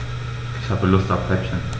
Ich habe Lust auf Häppchen.